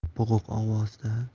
bo'g'iq ovozda